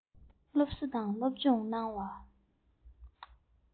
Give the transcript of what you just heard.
སློབ གསོ དང བྱམས སྐྱོང གནང བ